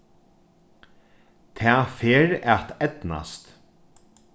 tað fer at eydnast